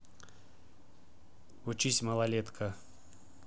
учись малолетка